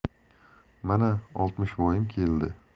mana oltmishvoyim keldi